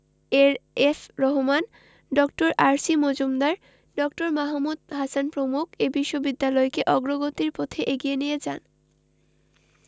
A F Rahman ড. R C Majumdar ড. মাহমুদ হাসান প্রমুখ এ বিশ্ববিদ্যালয়কে অগ্রগতির পথে এগিয়ে নিয়ে যান